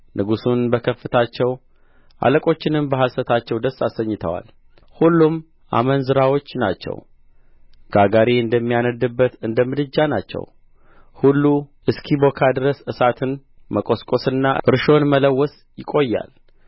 ንጉሡን በክፋታቸው አለቆቹንም በሐሰታቸው ደስ አሰኝተዋል ሁሉም አመንዝራዎች ናቸው ጋጋሪ እንደሚያነድድበት እንደ ምድጃ ናቸው ሁሉ እስኪቦካ ድረስ እሳትን መቈስቈስና እርሾን መለወስ ይቆያል